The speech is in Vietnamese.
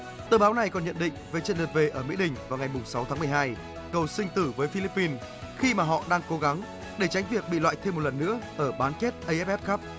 tờ báo này còn nhận định với trận lượt về ở mỹ đình vào ngày mùng sáu tháng mười hai cầu sinh tử với phi líp pin khi mà họ đang cố gắng để tránh việc bị loại thêm một lần nữa ở bán kết ây ép ép cắp